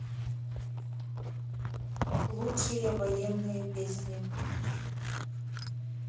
лучшие военные песни